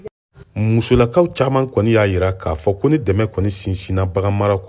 musolaka caman kɔni y'a jira k'a fɔ ko ni dɛmɛ kɔni sinsinna baganmarako fanfɛ